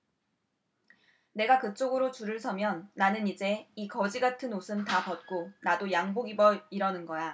내가 그쪽으로 줄을 서면 나는 이제 이 거지 같은 옷은 다 벗고 나도 양복 입어 이러는 거야